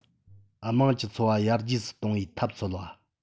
དམངས ཀྱི ཚོ བ ཡར རྒྱས སུ གཏོང བའི ཐབས འཚོལ བ